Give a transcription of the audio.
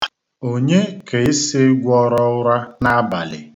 Onye ka ị sị gwọrọ ụra n'abalị?